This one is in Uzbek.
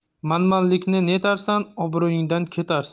manmanlikni netarsan obro'yingdan ketarsan